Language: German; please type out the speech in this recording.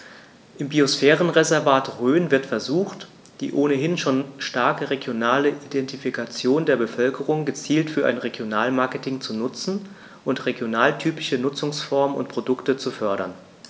Im Biosphärenreservat Rhön wird versucht, die ohnehin schon starke regionale Identifikation der Bevölkerung gezielt für ein Regionalmarketing zu nutzen und regionaltypische Nutzungsformen und Produkte zu fördern.